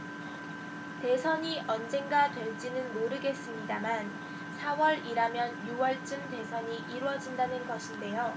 대선이 언제가 될지는 모르겠습니다만 사 월이라면 유 월쯤 대선이 이뤄진다는 것인데요